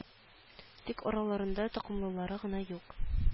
Тик араларында токымлылары гына юк